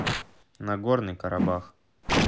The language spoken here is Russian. нагорный карабах